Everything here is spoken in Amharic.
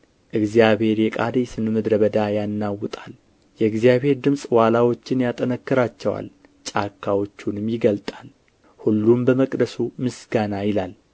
እግዚአብሔር የቃዴስን ምድረ በዳ ያናውጣል የእግዚአብሔር ድምፅ ዋላዎችን ያጠነክራቸዋል ጫካዎቹንም ይገልጣል ሁሉም በመቅደሱ ምስጋና ይላል